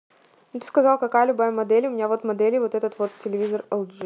ну ты сказала какая любая модель у меня вот моделей вот этот вот телевизор lg